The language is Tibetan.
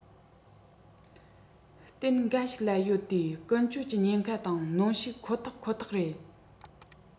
ཏན འགའ ཞིག ཡོད དེ ཀུན སྤྱོད ཀྱི ཉེན ཁ དང གནོན ཤུགས ཁོ ཐག ཁོ ཐག རེད